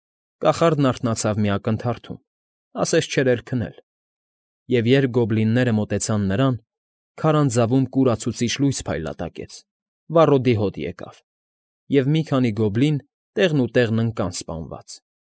Կախարդն արթնացավ մի ակնթարթում, ասես չէր էլ քնել, և երբ գոբլինները մոտեցան նրան, քարանձավում կուրացուցիչ լույս փայլատակեց, վառոդի հոտ եկավ, և մի քանի գոբլին տեղնուտեղն ընկան սպանված։